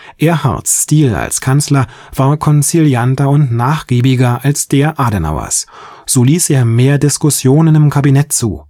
Erhards Stil als Kanzler war konzilianter und nachgiebiger als der Adenauers, so ließ er mehr Diskussionen im Kabinett zu